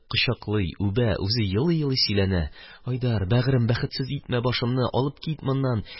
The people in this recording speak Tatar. Кочаклый, үбә, үзе елый-елый сөйләнә: – Айдар, бәгърем, бәхетсез итмә башымны. Алып кит моннан.